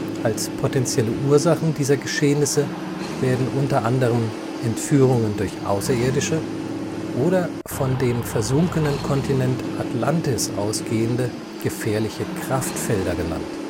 Als potenzielle Ursachen dieser Geschehnisse werden unter anderem Entführungen durch Außerirdische oder von dem versunkenen Kontinent Atlantis ausgehende, gefährliche „ Kraftfelder “genannt